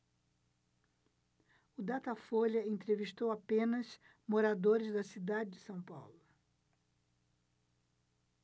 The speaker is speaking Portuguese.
o datafolha entrevistou apenas moradores da cidade de são paulo